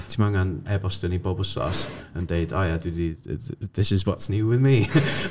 Ti'm angen e-bostio ni bob wythnos yn deud "O ie, dwi 'di d- d- d- this is what's new with me!"